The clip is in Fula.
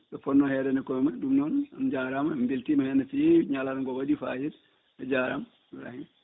ɗo ponno hedande kooye mumen ɗum noon on jarama mi weltima hen no fewi ñalado ngo waɗi fayida a jarama Ibrahima